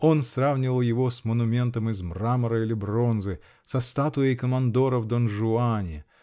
Он сравнивал его с монументом из мрамора или бронзы -- со статуей командора в "Дон-Жуане"!